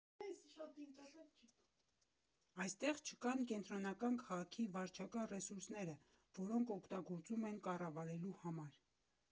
Այստեղ չկան կենտրոնական քաղաքի վարչական ռեսուրները, որոնք օգտագործում են կառավարելու համար։